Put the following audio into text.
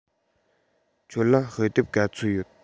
ཁྱོད ལ དཔེ དེབ ག ཚོད ཡོད